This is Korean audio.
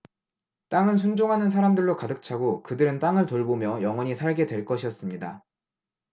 땅은 순종하는 사람들로 가득 차고 그들은 땅을 돌보며 영원히 살게 될 것이었습니다